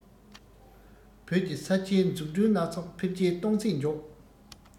བོད ཀྱི ས ཆའི འཛུགས སྐྲུན སྣ ཚོགས འཕེལ རྒྱས གཏོང ཚད མགྱོགས